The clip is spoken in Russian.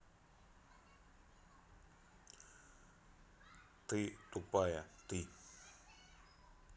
ты тупая ты